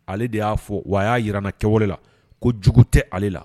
Ale de ya fɔ wa a ya yira an na kɛwale la. Ko jugu tɛ ale la.